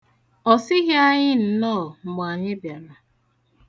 Ọ sịghị anyị nnọọ mgbe anyị bịara.